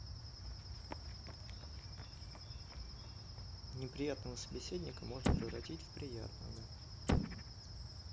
неприятного собеседника можно превратить в приятного